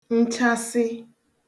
nchasị